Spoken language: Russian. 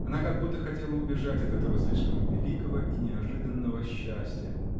Она как будто хотела убежать от этого слишком великого и нежданного счастья!